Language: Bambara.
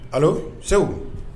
A segu